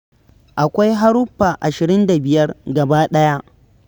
Akwai haruffa 25 gabaɗaya.